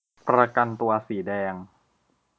ประกันตัวสีแดง